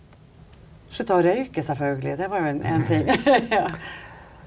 slutte å røyke selvfølgelig det var jo en en ting .